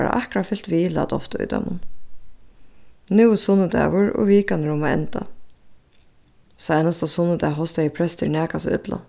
bara akkurát fylgt við læt ofta í teimum nú er sunnudagur og vikan er um at enda seinasta sunnudag hostaði prestur nakað so illa